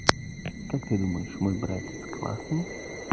как ты думаешь мой братец классный